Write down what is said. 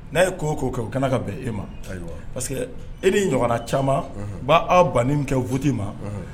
N'a ye ko'o kɛ u kana ka bɛn e ma parce que e ni ɲɔgɔnna caman u b'a' ban kɛ fu ma